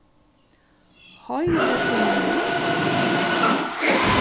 hoyrir tú meg nú